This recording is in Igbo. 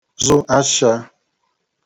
zụ ashā